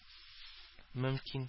Мөмкин